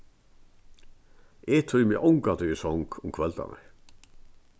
eg tími ongantíð í song um kvøldarnar